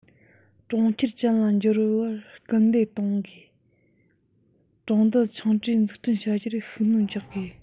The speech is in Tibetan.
གྲོང ཁྱེར ཅན ལ འགྱུར བར སྐུལ འདེད གཏོང དགོས ལ གྲོང རྡལ ཆུང གྲས འཛུགས སྐྲུན བྱ རྒྱུར ཤུགས སྣོན རྒྱག དགོས